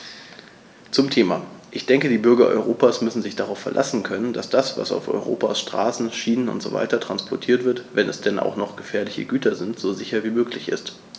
Zum Thema: Ich denke, die Bürger Europas müssen sich darauf verlassen können, dass das, was auf Europas Straßen, Schienen usw. transportiert wird, wenn es denn auch noch gefährliche Güter sind, so sicher wie möglich ist.